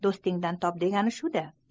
do'stingdan top degani shu da